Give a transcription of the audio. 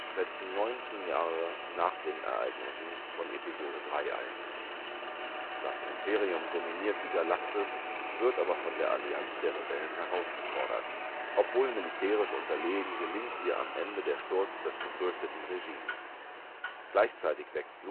setzen 19 Jahre nach den Ereignissen von Episode III ein. Das Imperium dominiert die Galaxis, wird aber von der Allianz der Rebellen herausgefordert. Obwohl militärisch unterlegen, gelingt ihr am Ende der Sturz des gefürchteten Regimes. Gleichzeitig wächst